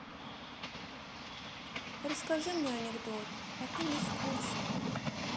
расскажи мне анекдот а то мне скучно